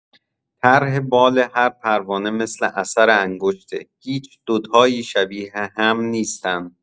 طرح بال هر پروانه مثل اثر انگشته، هیچ دوتایی شبیه هم نیستن.